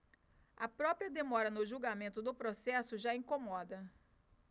a própria demora no julgamento do processo já incomoda